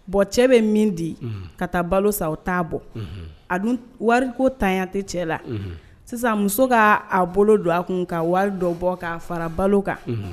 Bon cɛ bi min di ka taa balo San, o ta bɔ . A dun wari ko ntan ya tɛ cɛ la . Sisan muso ka a bolo don a kun ka wari dɔ bɔ ka fara balo kan